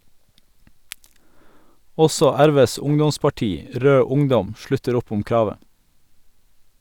Også RVs ungdomsparti, Rød Ungdom, slutter opp om kravet.